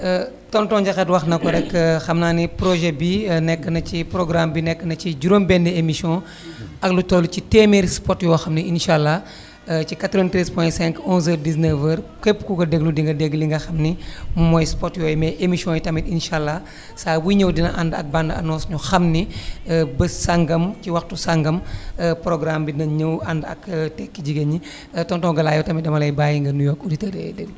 tonton Ndiakhate wax na ko rek xam naa ne projet bi nekk na ci programme nekk na ci juróom benni émission ak lu toll ci téeméeri spots yoo xam ni incha allah ci 93.5 11h 19h képp ku ko déglu di nga dégg li nga xam ni mooy spots yooyu mais émission yi tamit incha allah saa buy ñëw dina ànd ak bande annonce ñu xam ni bés sangam ci waxtu sangam programme bi nañ ñëw ànd ak tekki jigéen ñi tonon Galaye yow tamit dama lay bàyyi nga nuyoo ak auditeurs yi lay déglu